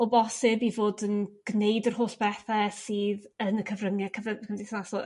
O bosib i fod yn g'neud yr holl bethe sydd yn y cyfrynge cyfry- cymdeithasol.